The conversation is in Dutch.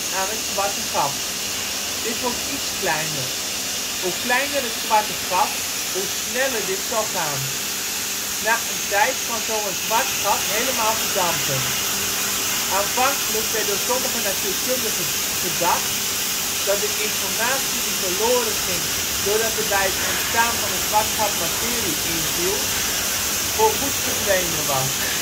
aan het zwarte gat. Dit wordt iets kleiner. Hoe kleiner het zwarte gat hoe sneller dit zal gaan. Na een tijd kan zo een zwart gat helemaal ' verdampen '. Aanvankelijk werd door sommige natuurkundigen gedacht dat de informatie die verloren ging doordat er bij het ontstaan van een zwart gat materie in viel, voorgoed verdwenen was